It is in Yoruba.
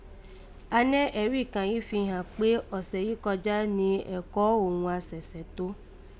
A nẹ́ ẹ̀rí kan yìí fi an kpé ọ̀sẹ̀ yìí kọjá ni Èkó òghun a sẹ̀sẹ̀ tó